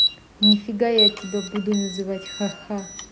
нифига я тебя буду называть хаха